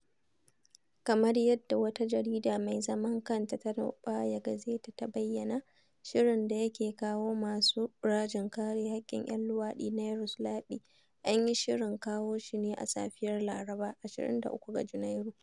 Kamar yadda wata jarida mai zaman kanta ta Noɓaya Gazeta ta bayyana, shirin da yake kawo masu rajin kare haƙƙin 'yan luwaɗi na Yaroslaɓi, an yi shirin kawo shi ne a safiyar Laraba, 23 ga Janairu.